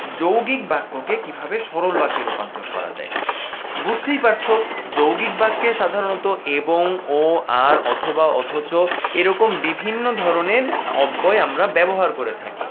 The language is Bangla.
যৌগিক বাক্য কে কিভাবে সরল বাক্যে রূপান্তর করা যায় বুঝতেই পাচ্ছো যৌগিক বাক্যের সাধারণত এবং ও আর অথবা অথচ এরকম বিভিন্ন ধরনের অব্যয় আমরা ব্যবহার করে থাকি